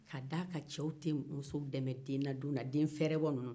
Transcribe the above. ka da a kan cɛw tɛ muso dɛmɛn den ladon na den fɛɛrɛbɔ ninnuw